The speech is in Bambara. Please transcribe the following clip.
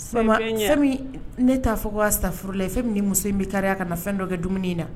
Ne'a fɔ sa furu la fɛn min ni muso in bɛ kari ka na fɛn dɔ kɛ dumuni in na